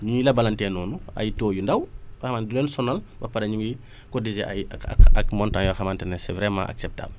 ñuy lebalantee noonu ay taux yu ndaw boo xam ne du leen sonalba pare ñu ngi cotiser ay ak ak montant yoo xamante ne c' est vraiment acceptable